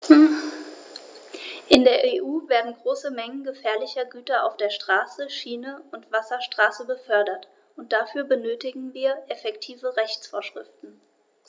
In der EU werden große Mengen gefährlicher Güter auf der Straße, Schiene und Wasserstraße befördert, und dafür benötigen wir effektive Rechtsvorschriften.